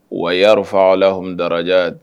Wa y'arfa alahoum daradja